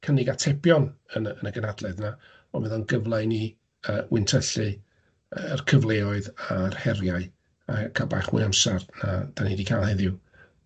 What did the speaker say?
cynnig atebion yn y yn y gynadledd 'na, ond bydd o'n gyfla i ni yy wyntyllu yr cyfleoedd a'r heriau, a ca'l bach mwy o amsar na 'dan ni 'di ca'l heddiw.